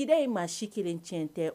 Kira ye maa si kelen tiɲɛ tɛ